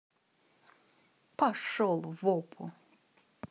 пошел в опу